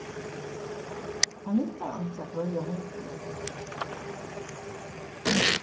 tað nyttar einki at greiða hundinum